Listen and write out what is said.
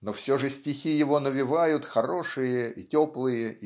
но все же стихи его навевают хорошие и теплые